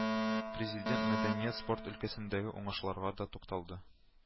Президент мәдәният, спорт өлкәсендәге уңышларга да тукталды